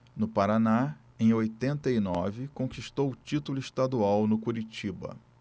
no paraná em oitenta e nove conquistou o título estadual no curitiba